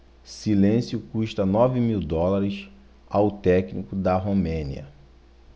silêncio custa nove mil dólares ao técnico da romênia